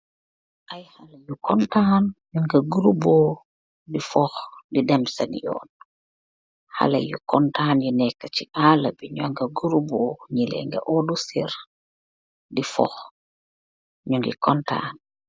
haleh yuu teka di fooh ce deykaa bi.